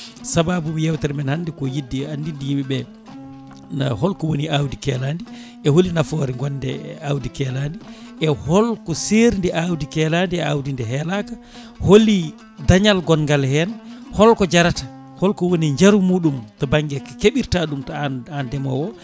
sababu yewtere men hannde ko yidde andinde yimɓeɓe holko woni awdi keeladi e hooli nafoore gonde e awdi keeladi e holko serndi awdi keeladi e awdi ndi heelaka hooli daañal gongal hen holko jaraata holko woni jaarumuɗum to banggue keeɓirta ɗum to an an ndeemowo o